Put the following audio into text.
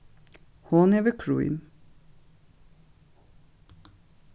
hon hevur krím